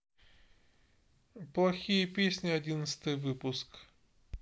плохие песни одиннадцатый выпуск